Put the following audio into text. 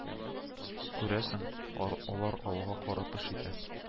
Күрәсең, алар алга карап эш итә